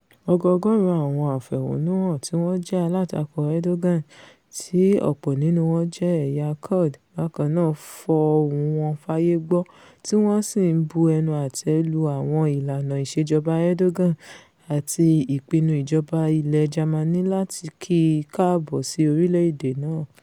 Ọgọ-ọgọ́ọ̀rún àwọn afẹ̀hónúhàn tíwọ́n jẹ́ alátakò Erdogan - tí ọ̀pọ̀ nínú wọn jẹ ẹ̀yà Kurd - bákannáà fọ ohùn wọn fáyé gbọ́, tíwọn sì ńbu ẹnu atẹ́ lu àwọn ìlànà ìṣejọba Erdogan àti ìpinnu ìjọba ilẹ̀ Jamani láti kì i káàbọ sí orílẹ̀-èdè náà.